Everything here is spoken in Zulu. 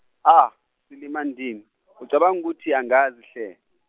ah silima ndini ucabanga ukuthi angazi hhe?